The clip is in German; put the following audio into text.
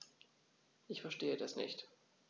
Ich verstehe das nicht.